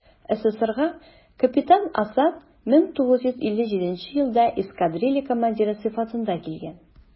СССРга капитан Асад 1957 елда эскадрилья командиры сыйфатында килгән.